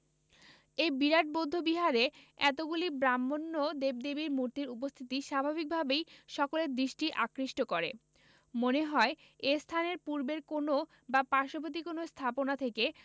এই বিরাট বৌদ্ধ বিহারে এতগুলি ব্রাক্ষ্মণ্য দেব দেবীর মূতির্র উপস্থিতি স্বাভাবিকভাবেই সকলের দৃষ্টি আকৃষ্ট করে মনে হয় এ স্থানের পূর্বের কোন বা পার্শ্ববর্তী কোন স্থাপনা থেকে